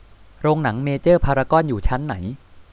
โรงหนังเมเจอร์พารากอนอยู่ชั้นไหน